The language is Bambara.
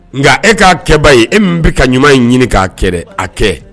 Nka e k'a kɛba ye e min bɛka ka ɲuman in ɲini k'a kɛ a kɛ